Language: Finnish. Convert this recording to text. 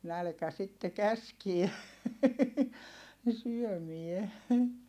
nälkä sitten käski ne syömään